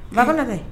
Na dɛ